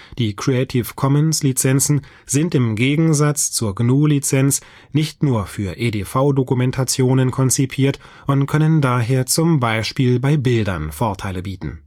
Die Creative-Commons-Lizenzen sind im Gegensatz zur GNU-Lizenz nicht nur für EDV-Dokumentationen konzipiert und können daher zum Beispiel bei Bildern Vorteile bieten